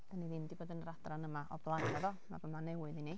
Dan ni ddim 'di bod yn yr adran yma o blaen naddo, ma' fama'n newydd i ni.